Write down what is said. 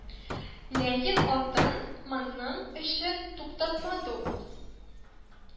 Ләкин атын моның өчен туктатмады ул